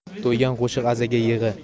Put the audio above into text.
to'yga qo'shiq azaga yig'i